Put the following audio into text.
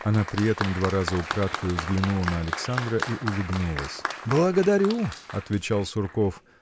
Она при этом два раза украдкою взглянула на Александра и улыбнулась. – Благодарю – отвечал Сурков